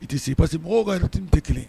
I tɛ si parcesi mɔgɔw ka t tɛ kelen